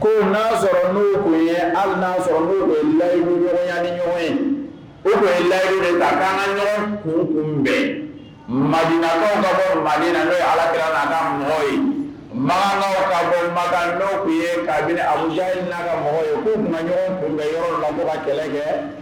ko n' tun ye alaa n ye layiɔrɔnyaani ɲɔgɔn ye o layikara kun kun bɛ maina mainatɔ ye alakila mɔgɔ ye ma ka maka tun ye kabini abuyi laka mɔgɔ ye ko ma ɲɔgɔn tun bɛ yɔrɔ lamɔbɔ kɛlɛ kɛ